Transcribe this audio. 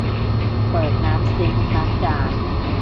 เปิดน้ำซิงค์ล้างจาน